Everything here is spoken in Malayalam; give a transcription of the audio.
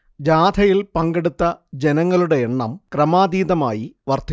ജാഥയിൽ പങ്കെടുത്ത ജനങ്ങളുടെ എണ്ണം ക്രമാതീതമായി വർദ്ധിച്ചു